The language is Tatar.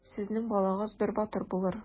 Сезнең балагыз бер батыр булыр.